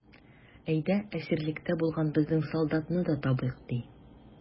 Әйдә, әсирлектә булган безнең солдатны да табыйк, ди.